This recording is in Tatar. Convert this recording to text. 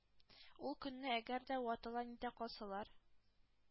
Ул көнне әгәр дә ватыла-нитә калсалар,